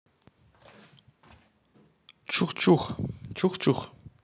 чух чух